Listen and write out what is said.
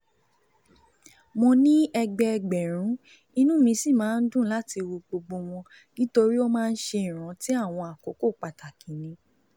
Mo ní ẹgbẹẹgbẹ̀rún, inú mi sì máa ń dùn láti wo gbogbo wọ́n, nítorí wọ́n máa ń ṣe ìrántí àwọn àkókò pàtàkì ni.